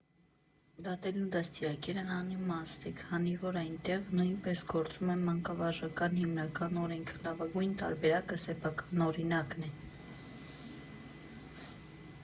Դատելն ու դաստիարակելն անիմաստ է, քանի որ այստեղ նույնպես գործում է մանկավարժության հիմնական օրենքը՝ լավագույն տարբերակը սեփական օրինակն է։